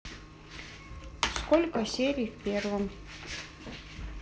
сколько серий в первом